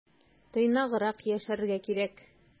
Тыйнаграк яшәргә кирәк.